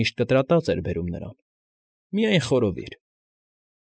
Միշտ կտրտած էր բերում նրան՝ միայն խորովիր։